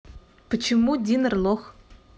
почему dinner лох